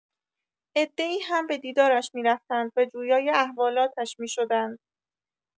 عده‌ای هم به دیدارش می‌رفتند و جویای احوالاتش می‌شدند.